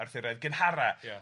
Arthuraidd gynhara... Ia...